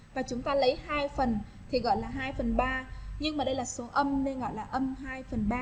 lấy hai phần thì gọi là nhưng mà đây là xuống âm nên gọi là phần trăm